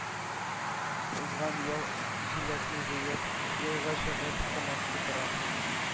Узган ел, җиләкне җыеп, юлга чыгып кына утырам,